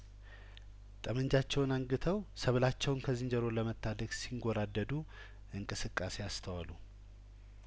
ጠመንጃቸውን አንግተው ሰብላቸውን ከዝንጀሮ ለመታደግ ሲንጐራደዱ እንስቃሴ አስተዋሉ